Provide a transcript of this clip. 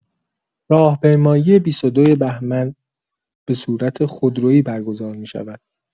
راهپیمایی ۲۲ بهمن به صورت خودرویی برگزار می‌شود.